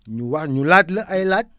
ñu wax ñu laaj la ay laaj